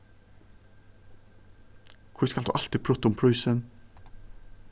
hví skalt tú altíð prutta um prísin